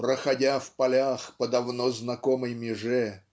проходя в полях по давно знакомой меже